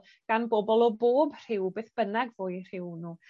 gan bobol o bob rhyw beth bynnag bo' 'u rhyw nw.